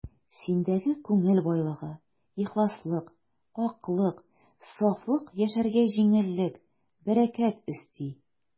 Синдәге күңел байлыгы, ихласлык, аклык, сафлык яшәргә җиңеллек, бәрәкәт өсти.